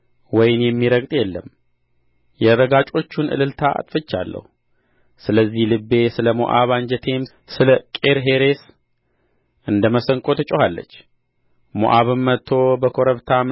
ወይን የሚረግጥ የለም የረጋጮቹን እልልታ አጥፍቻለሁ ስለዚህ ልቤ ስለ ሞዓብ አንጀቴም ስለ ቂርሔሬስ እንደ መሰንቆ ትጮኻለች ሞዓብም መጥቶ በኮረብታ